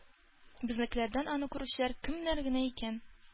Безнекеләрдән аны күрүчеләр кемнәр генә икән?